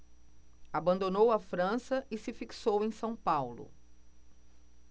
abandonou a frança e se fixou em são paulo